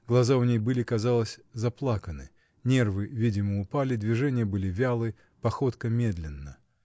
Глаза у ней были, казалось, заплаканы, нервы видимо упали, движения были вялы, походка медленна.